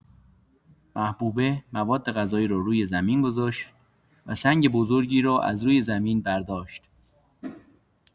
محبوبه موادغذایی را روی زمین گذاشت و سنگ بزرگی را از روی زمین برداشت.